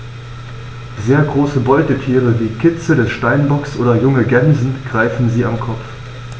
Sehr große Beutetiere wie Kitze des Steinbocks oder junge Gämsen greifen sie am Kopf.